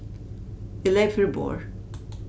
eg leyp fyri borð